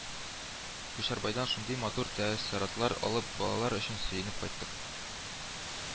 Күчәрбайдан шундый матур тәэссоратлар алып, балалар өчен сөенеп кайттык